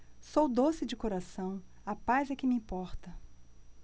sou doce de coração a paz é que me importa